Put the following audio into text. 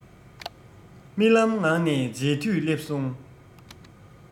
རྨི ལམ ངང ནས མཇལ དུས སླེབས སོང